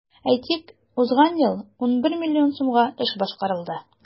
Әйтик, узган ел 11 миллион сумга эш башкарылды.